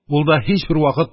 Ул да һичбер вакыт